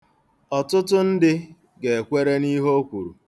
Ọtụtụ ndị ga-ekwere n'ihe o kwuru.